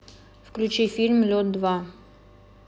включи фильм лед два